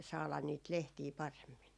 saada niitä lehtiä paremmin